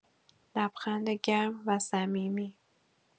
لبخند گرم و صمیمی